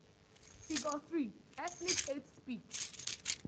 Figure 3: Ethnic hate speech